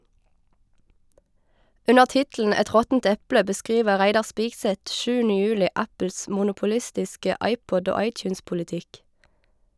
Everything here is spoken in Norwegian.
Under tittelen "Et råttent eple" beskriver Reidar Spigseth 7. juli Apples monopolistiske iPod- og iTunes-politikk.